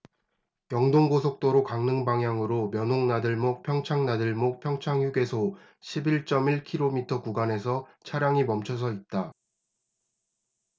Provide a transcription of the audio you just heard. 영동고속도로 강릉방향으로 면옥나들목 평창나들목 평창휴게소 십 일 쩜 일 키로미터 구간에서 차량이 멈춰서 있다